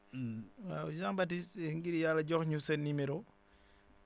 waaw Jean Baptise ngir yàlla jox ñu sa numéro